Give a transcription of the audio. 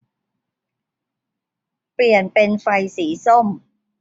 เปลี่ยนเป็นไฟสีส้ม